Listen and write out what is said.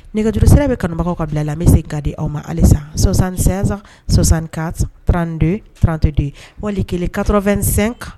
Nɛgɛjuru sira bɛ kanubagaw ka bila la bɛ se gadi aw ma halisa sɔsan2san sɔsanranterantete wali kelen kato2sɛn kan